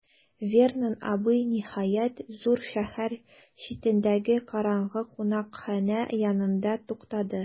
Вернон абый, ниһаять, зур шәһәр читендәге караңгы кунакханә янында туктады.